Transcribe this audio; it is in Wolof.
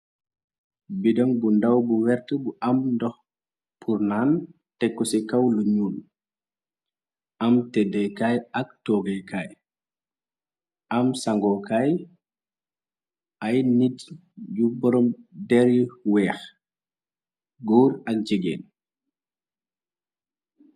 Bidon bu ndaw bu wert bu am ndox pur naan, tekko ci kaw lu nuul. Am téddékaay ak toogékaay, am sangokaay ay nit yu boroom deri weex ,góor ak jégéen.